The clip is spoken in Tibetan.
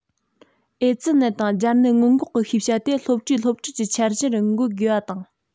ཨེ ཙི ནད དང སྦྱར ནད སྔོན འགོག གི ཤེས བྱ དེ སློབ གྲྭའི སློབ ཁྲིད ཀྱི འཆར གཞི རུ འགོད དགོས པ དང